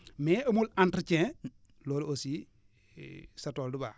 mais amul entretien :fraloolu aussi sa tool du baax